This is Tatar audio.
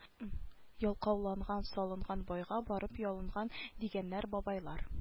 Ялкауланган-салынган байга барып ялынган дигәннәр бабайлар